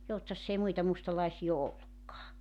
Joutsassa ei muita mustalaisia ole ollutkaan